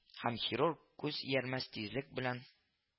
Һәм хирург күз иярмәс тизлек белән